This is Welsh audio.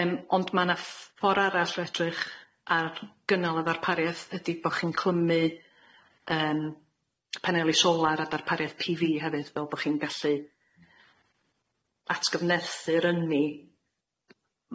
Yym ond ma' na ff- ffor' arall o edrych ar gynnal y ddarpariaeth ydi bo' chi'n clymu yym paneli solar a darpariaeth Pee Vee hefyd fel bo' chi'n gallu atgyfnethu'r ynni